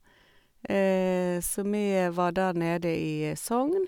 Så vi var der nede i Sogn.